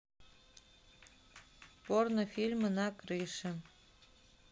порнофильмы на крыше